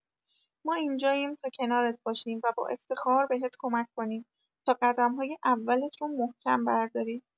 ما اینجاییم تا کنارت باشیم و با افتخار بهت کمک کنیم تا قدم‌های اولت رو محکم برداری!